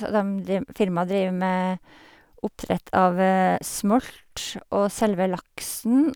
Og dem drim firmaet driver med oppdrett av smolt og selve laksen.